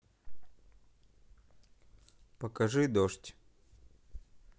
покажи дождь